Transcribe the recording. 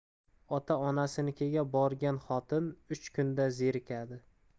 ota onasinikiga borgan xotin uch kunda zerikadi